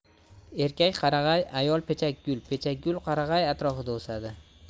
erkak qarag'ay ayol pechakgul pechakgul qarag'ay atrofida o'sadi